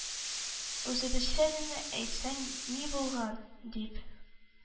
Үзебезчә генә әйтсәң ни булган? - дип,